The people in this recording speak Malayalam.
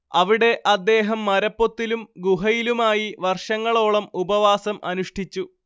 അവിടെ അദ്ദേഹം മരപ്പൊത്തിലും ഗുഹയിലുമായി വർഷങ്ങളോളം ഉപവാസം അനുഷ്ഠിച്ചു